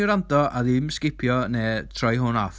I wrando, a ddim sgipio neu troi hwn off.